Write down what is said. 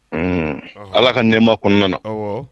Un ala ka nɛma kɔnɔna na